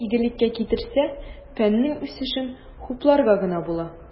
Әгәр игелеккә китерсә, фәннең үсешен хупларга гына була.